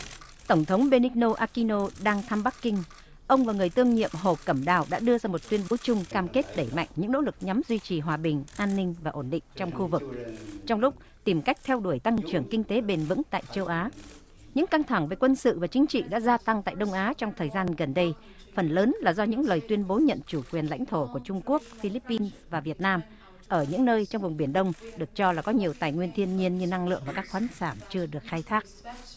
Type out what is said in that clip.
tổng thống be ních nô a ki nô đang thăm bắc kinh ông và người tương nhiệm hồ cẩm đào đã đưa ra một tuyên bố chung cam kết đẩy mạnh những nỗ lực nhằm duy trì hòa bình an ninh và ổn định trong khu vực trong lúc tìm cách theo đuổi tăng trưởng kinh tế bền vững tại châu á những căng thẳng về quân sự và chính trị đã gia tăng tại đông á trong thời gian gần đây phần lớn là do những lời tuyên bố nhận chủ quyền lãnh thổ của trung quốc phi líp pin và việt nam ở những nơi trong vùng biển đông được cho là có nhiều tài nguyên thiên nhiên như năng lượng và các khoáng sản chưa được khai thác